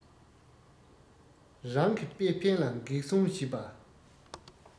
རང གི པེ ཕན ལ འགེབས སྲུང བྱེད པ